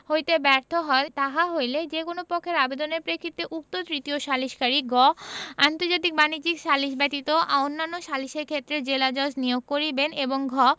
হইতে ব্যর্থ হন তাহা হইলে যে কোন পক্ষের আবেদনের প্রেক্ষিতে উক্ত তৃতীয় সালিসকারী গ আন্তর্জাতিক বাণিজ্যিক সালিস ব্যতীত অন্যান্য সালিসের ক্ষেত্রে জেলাজজ নিয়োগ করিবেন এবং ঘ